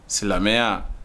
Silamɛya